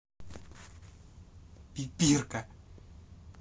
пипирка